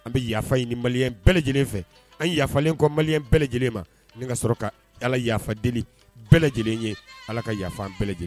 An bɛ yafa ɲini ni mali bɛɛ lajɛlen fɛ an yafafalen kɔ mali bɛɛ lajɛlen ma nin ka sɔrɔ ka ala yafaden bɛɛ lajɛlen ye ala ka yafa an bɛɛ lajɛlen